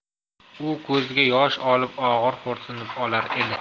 u ko'ziga yosh olib og'ir xo'rsinib olar edi